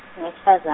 ngingowesifaza-.